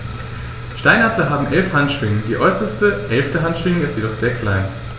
Steinadler haben 11 Handschwingen, die äußerste (11.) Handschwinge ist jedoch sehr klein.